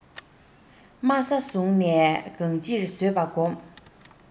དམའ ས བཟུང ནས གང ཅིར བཟོད པ སྒོམ